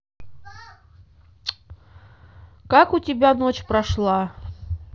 как у тебя ночь прошла